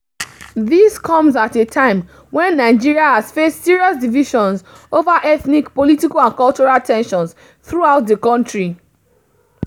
This comes at a time when Nigeria has faced serious divisions over ethnic, political and cultural tensions throughout the country.